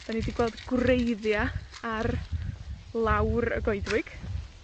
'Dan ni 'di gweld gwreiddia ar lawr y goedwig.